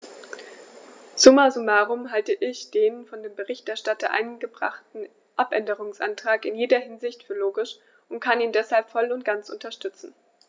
Summa summarum halte ich den von dem Berichterstatter eingebrachten Abänderungsantrag in jeder Hinsicht für logisch und kann ihn deshalb voll und ganz unterstützen.